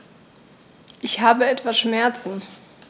Ich habe etwas Schmerzen.